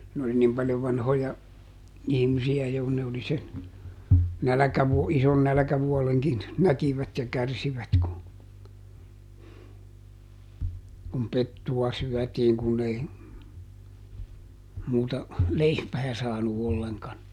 ne oli niin paljon vanhoja ihmisiä jo kun ne oli sen - ison nälkävuodenkin näkivät ja kärsivät kun kun pettua syötiin kun ei muuta leipää saanut ollenkaan